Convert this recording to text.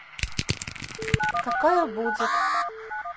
какая будет